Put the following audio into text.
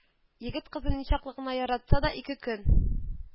Егет кызны ничаклы гына яратса да, ике көн